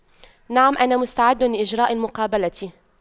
نعم أنا مستعد لإجراء المقابلة